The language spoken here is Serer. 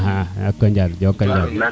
xa njokonjal njokonjal